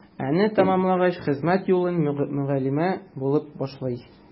Аны тәмамлагач, хезмәт юлын мөгаллимә булып башлый.